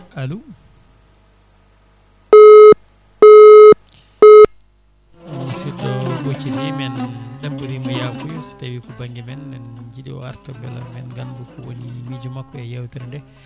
alo musidɗo o ɓoccitima en ɗaɓɓirimo yafuya so tawi ko banggue men en jiiɗi o arta bella ma en gandu ko woni miijo makko e yewtere nde